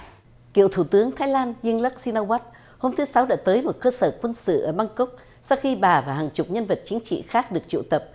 cựu thủ tướng thái lan dinh lắc xin na goắt hôm thứ sáu đã tới một cơ sở quân sự ở băng cốc sau khi bà và hàng chục nhân vật chính trị khác được triệu tập